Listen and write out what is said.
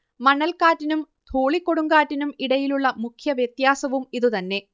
മണൽക്കാറ്റിനും ധൂളിക്കൊടുങ്കാറ്റിനും ഇടയിലുള്ള മുഖ്യവ്യത്യാസവും ഇതുതന്നെ